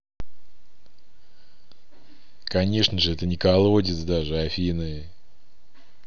конечно же это не колодец даже афина